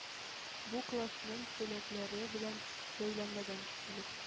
Бу классның теләкләре белән бәйләнмәгәнлектән,